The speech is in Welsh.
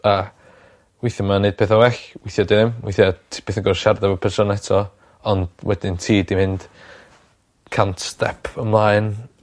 a weitha mae o neud petha well weithia' dim weithia' t' byth yn gor'o' siarad efo person eto ond wedyn ti 'di mynd cant step ymlaen.